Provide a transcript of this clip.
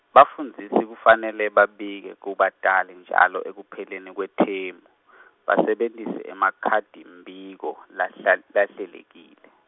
bafundzisi kufanele babike, kubatali njalo ekupheleni kwethemu , basebentise emakhadimbiko, lahla-, lahlelekile.